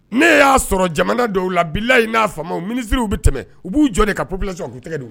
Nee y'a sɔrɔ jamana dɔw la bilalayi n'a fama minisiriw bɛ tɛmɛ u b'u jɔ ka pbi tɛtɛ don